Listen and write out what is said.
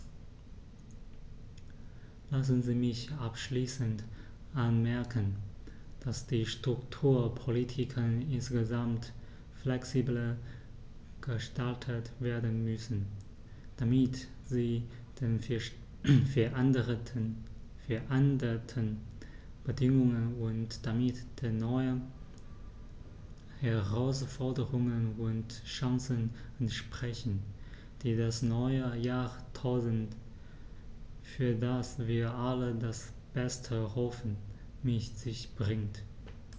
Lassen Sie mich abschließend anmerken, dass die Strukturpolitiken insgesamt flexibler gestaltet werden müssen, damit sie den veränderten Bedingungen und damit den neuen Herausforderungen und Chancen entsprechen, die das neue Jahrtausend, für das wir alle das Beste hoffen, mit sich bringt.